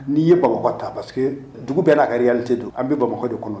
N'i ye bamakɔ ta parce que dugu bɛɛ'akarite don an bɛ bamakɔ de kɔnɔ